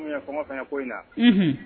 ko in na